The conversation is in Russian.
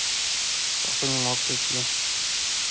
папа не мог пройти